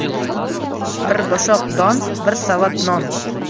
bir boshoq don bir savat non